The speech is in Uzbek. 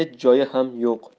hech joyi ham yo'q